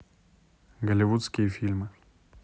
голливудские фильмы